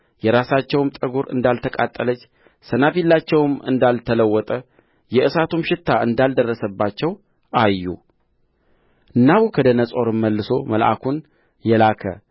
የራሳቸውም ጠጕር እንዳልተቃጠለች ሰናፊላቸውም እንዳልተለወጠ የእሳቱም ሽታ እንዳልደረሰባቸው አዩ ናቡከደነፆርም መልሶ መልአኩን የላከ